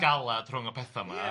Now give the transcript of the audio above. galad rhwng y petha yma... Ie.